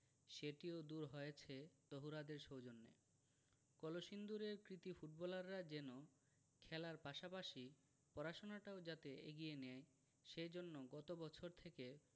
সেটিও দূর হয়েছে তহুরাদের সৌজন্যে কলসিন্দুরের কৃতী ফুটবলাররা যেন খেলার পাশাপাশি পড়াশোনাটাও যাতে এগিয়ে নেয় সে জন্য গত বছর থেকে